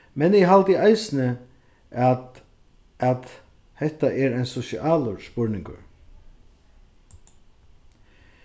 men eg haldi eisini at at hetta er ein sosialur spurningur